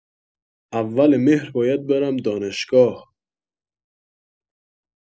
اول مهر باید برم دانشگاه